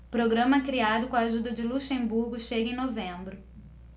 programa criado com a ajuda de luxemburgo chega em novembro